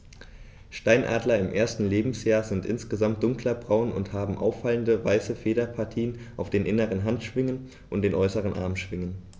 Steinadler im ersten Lebensjahr sind insgesamt dunkler braun und haben auffallende, weiße Federpartien auf den inneren Handschwingen und den äußeren Armschwingen.